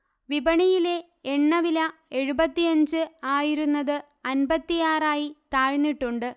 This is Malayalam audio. വിപണിയിലെ എണ്ണവില എഴുപത്തിയഞ്ച് ആയിരുന്നത് അന്പത്തിയാറായി താഴ്ന്നിട്ടുണ്ട്